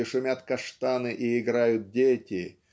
где шумят каштаны и играют дети